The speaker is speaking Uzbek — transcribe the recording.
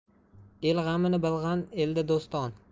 el g'amini bilgan elda doston